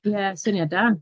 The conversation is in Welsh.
Ie, syniad da!